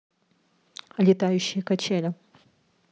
летающие качели